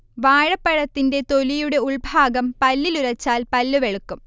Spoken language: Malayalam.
വാഴപ്പഴത്തിന്റെ തൊലിയുടെ ഉൾഭാഗം പല്ലിൽ ഉരച്ചാൽ പല്ല് വെളുക്കും